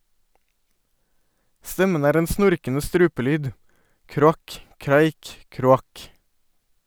Stemmen er en snorkende strupelyd, kroak- kraik- kroak.